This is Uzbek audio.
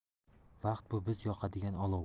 vaqt bu biz yoqadigan olov